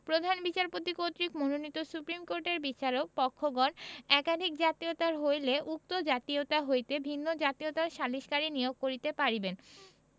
প্রধান বিচারপতি কর্তৃক মনোনীত সুপ্রীম কোর্টের বিচারক পক্ষঘণ একাধিক জাতীয়তার হইলে উক্ত জাতয়িতা হইতে ভিন্ন জাতীয়তার সালিসকারী নিয়োগ করিতে পারিবেন